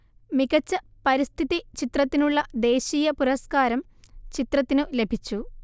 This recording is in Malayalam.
മികച്ച പരിസ്ഥിതി ചിത്രത്തിനുള്ള ദേശീയപുരസ്കാരം ചിത്രത്തിനു ലഭിച്ചു